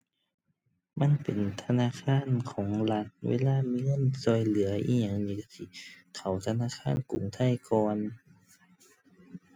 มันเป็นธนาคารของรัฐ เวลามีเงินช่วยเหลืออิหยังนี่ช่วยสิเข้าธนาคารกรุงไทยก่อน